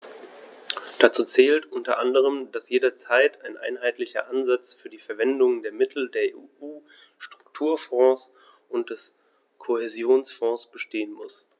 Dazu zählt u. a., dass jederzeit ein einheitlicher Ansatz für die Verwendung der Mittel der EU-Strukturfonds und des Kohäsionsfonds bestehen muss.